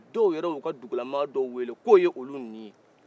dɔw yɛrɛ y'u ka dugula maa dɔw weele k'u ye ilu ni ye